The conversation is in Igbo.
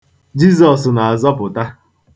Jizọs na-azọpụta.